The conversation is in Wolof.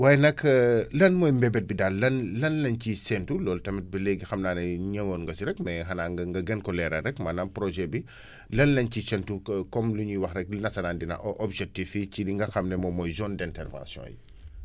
waaye nag lan mooy mbébét bi daal lan lan lañ ciy séntu loolu tamit ba léegi xam naa ne ñëwoon nga si rek mais xanaa nga gën ko leeral rek maanaam projet bi lan lañ ciy séntu comme lu ñuy wax rek li nasaraan di naan objectif fii ci li nga xam ne moom mooy zone d' intervention yi